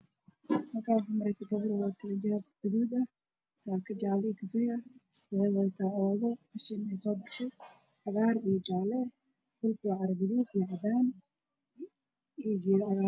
Halkaan waxaa mareyso gabar wadato xijaab gaduud ah